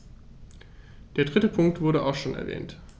Der dritte Punkt wurde auch schon erwähnt.